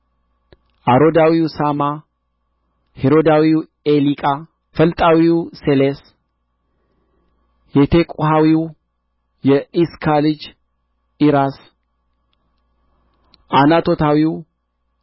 አሮዳዊው ሣማ ሒሮዳዊው ኤሊቃ ፈልጣዊው ሴሌስ የቴቁሐዊው የዒስካ ልጅ ዒራስ ዓናቶታዊው